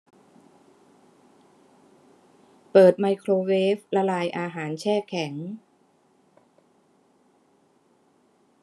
เปิดไมโครเวฟละลายอาหารแช่แข็ง